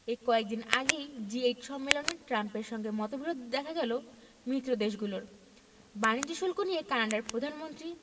এই কয়েক দিন আগেই জি এইট সম্মেলনে ট্রাম্পের সঙ্গে মতবিরোধ দেখা গেল মিত্রদেশগুলোর বাণিজ্য শুল্ক নিয়ে কানাডার প্রধানমন্ত্রী